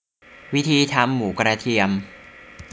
วิธีทำหมูกระเทียม